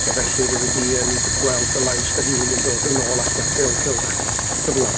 so felly fyddi di yn gweld dy lais dy hun yn dod yn ôl atat mewn cylch cyflawn.